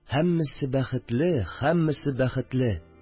Һәммәсе бәхетле, һәммәсе бәхетле